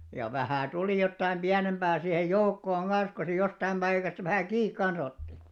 ja vähän tuli jotakin pienempää siihen joukkoon kanssa kun se jostakin paikasta vähän kiinni kanssa otti